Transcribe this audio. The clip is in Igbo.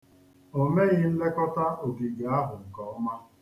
O meghị nlekọta ogige ahụ nkeọma.